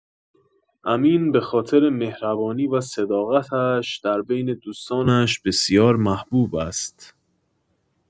امین به‌خاطر مهربانی و صداقت‌اش در بین دوستانش بسیار محبوب است.